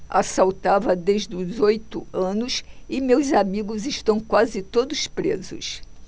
assaltava desde os oito anos e meus amigos estão quase todos presos